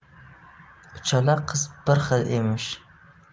uchala qiz bir xil emish